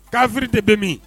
Kafiri de bɛ min.